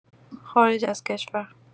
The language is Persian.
خارج از کشور